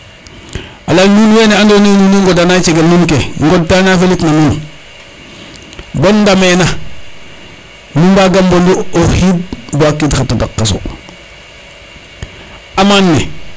a leya nuun wene ando naye nuun wey ngoda na cegel nuun ke ngod ta cegel nuun ke ngod ta na felit na nuun bon ndamena nu mbaga mbonu o xiid bo xa qiid xa tadaq kaso amende ne